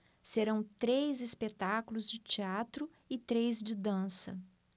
serão três espetáculos de teatro e três de dança